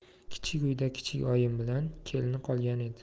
kichik uyda kichik oyim bilan kelini qolgan edi